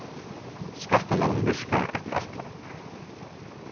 skattalógin virkar eftir ætlan